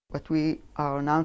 những gì